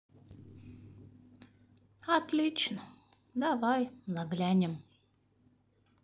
отлично давай заглянем